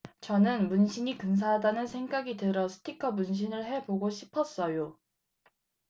저는 문신이 근사하다는 생각이 들어 스티커 문신을 해 보고 싶었어요